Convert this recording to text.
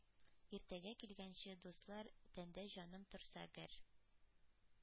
Иртәгә килгәнче дустлар, тәндә җаным торса гәр,